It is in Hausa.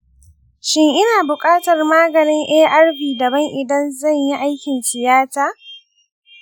shin ina buƙatar maganin arv daban idan zan yi aikin tiyata?